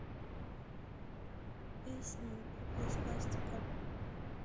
песня кукла из пластика